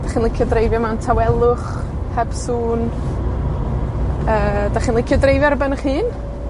'Dach chi'n licio dreifio mewn tawelwch, heb sŵn? Yy, 'dac chi'n licio dreifio ar ben 'ych hun?